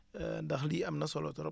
ndax lii am na solo trop